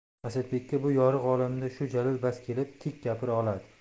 asadbekka bu yorug' olamda shu jalil bas kelib tik gapira oladi